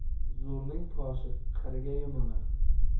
zo'rning toshi qirga yumalar